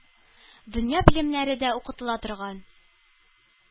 Дөнья белемнәре дә укытыла торган